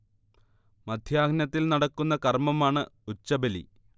മധ്യാഹ്നത്തിൽ നടത്തുന്ന കർമമാണ് ഉച്ചബലി